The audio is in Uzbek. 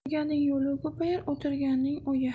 yurganning yo'li ko'payar o'tirganning o'yi